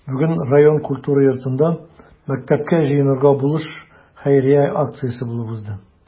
Бүген район культура йортында “Мәктәпкә җыенырга булыш” хәйрия акциясе булып узды.